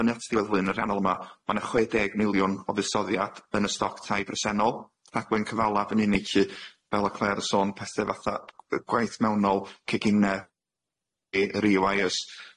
fyny at ddiwedd flwyddyn ariannol yma ma' na' chwe deg miliwn o fusoddiad yn y stoc tai presennol, rhagwain cyfala yn unig lly fel o Clare yn sôn pethe fatha yy gwaith mewnol cegine e- yr iw ai yrs.